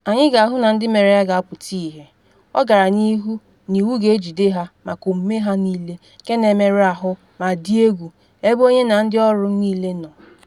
“Anyị ga-ahụ na ndị mere ya ga-apụta ihie,” ọ gara n’ihu “na iwu ga-ejide ha maka omume ha niile nke na-emerụ ahụ ma dị egwu ebe onye na ndị ọrụ m niile nọ.